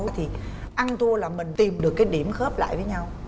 thì ăn thua là mình tìm được cái điểm khớp lại với nhau